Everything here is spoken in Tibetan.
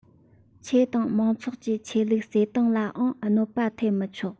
ཆོས དད མང ཚོགས ཀྱི ཆོས ལུགས བརྩེ དུང ལའང གནོད པ ཐེབས མི ཆོག